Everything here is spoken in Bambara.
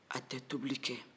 a tɛ tobili kɛ